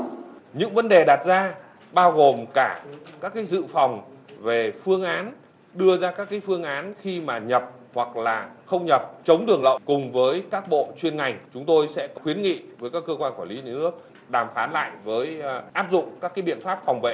những vấn đề đặt ra bao gồm cả các cái dự phòng về phương án đưa ra các cái phương án khi mà nhập hoặc là không nhập chống đường lậu cùng với các bộ chuyên ngành chúng tôi sẽ có khuyến nghị với các cơ quan quản lý nước đàm phán lại với áp dụng các cái biện pháp phòng vệ